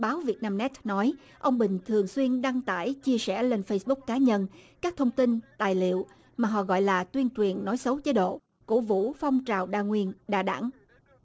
báo việt nam nét nói ông bình thường xuyên đăng tải chia sẻ lên phây búc cá nhân các thông tin tài liệu mà họ gọi là tuyên truyền nói xấu chế độ cổ vũ phong trào đa nguyên đa đảng